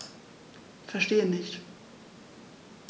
Verstehe nicht.